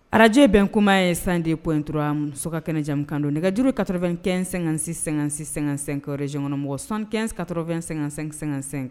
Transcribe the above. Araj bɛn kuma ye san de paul intura sokɛ kɛnɛja kan don nɛgɛjuru kaoro2--sɛ--sɛsɛreygɔnmɔgɔ san kɛnɛnkat2--sɛ